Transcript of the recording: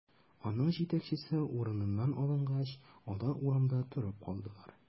Аның җитәкчесе урыныннан алынгач, алар урамда торып калдылар.